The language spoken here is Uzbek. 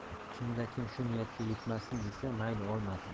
kimda kim shu niyatiga yetmasin desa mayli olmasin